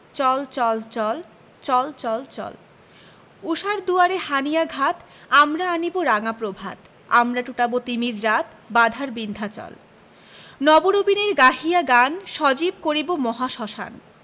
চল চল চল চল চল চল ঊষার দুয়ারে হানি' আঘাত আমরা আনিব রাঙা প্রভাত আমরা টুটাব তিমির রাত বাধার বিন্ধ্যাচল নব নবীনের গাহিয়া গান সজীব করিব মহাশ্মশান